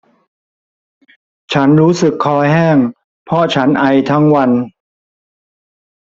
ฉันรู้สึกคอแห้งเพราะฉันไอทั้งวัน